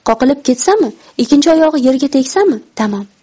qoqilib ketsami ikkinchi oyog'i yerga tegsami tamom